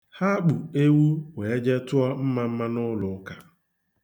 Ha kpụ ewu wee jee tụọ mmamma n'ụlọụka.